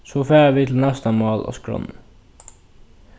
so fara vit til næsta mál á skránni